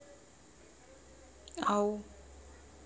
ау